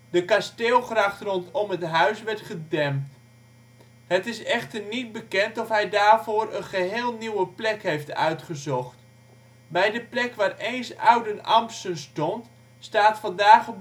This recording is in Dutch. De kasteelgracht rondom het huis werd gedempt. Het is echter niet bekend of hij daarvoor een geheel nieuwe plek heeft uitgezocht. Bij de plek waar eens Ouden-Ampsen stond, staat vandaag